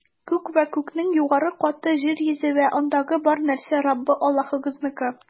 Күк вә күкнең югары каты, җир йөзе вә андагы бар нәрсә - Раббы Аллагызныкы.